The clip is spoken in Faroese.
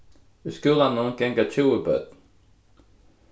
í skúlanum ganga tjúgu børn